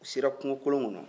sira kungokolon kɔnɔ